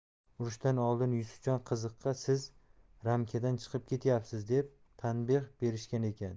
urushdan oldin yusufjon qiziqqa siz ramkadan chiqib ketyapsiz deb tanbeh berishgan ekan